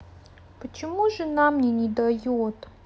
почему жена мне не дает